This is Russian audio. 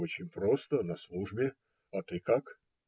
- Очень просто, на службе. А ты как?